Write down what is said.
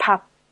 pa